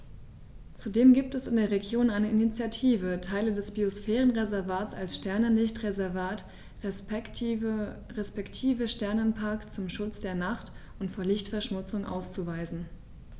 Zudem gibt es in der Region eine Initiative, Teile des Biosphärenreservats als Sternenlicht-Reservat respektive Sternenpark zum Schutz der Nacht und vor Lichtverschmutzung auszuweisen.